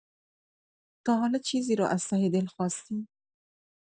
تا حالا چیزی رو از ته دل خواستی؟